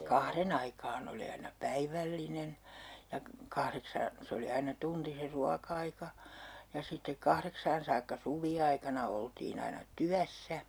kahden aikaan oli aina päivällinen ja kahdeksaan se oli aina tunti se ruoka-aika ja sitten kahdeksaan saakka suviaikana oltiin aina työssä